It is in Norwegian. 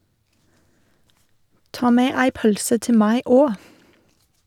Ta med ei pølse til meg òg!